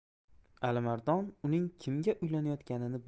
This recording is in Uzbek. alimardon uning kimga uylanayotganini